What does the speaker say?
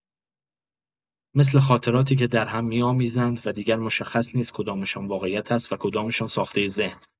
مثل خاطراتی که درهم می‌آمیزند و دیگر مشخص نیست کدام‌شان واقعیت است و کدام‌شان ساختۀ ذهن.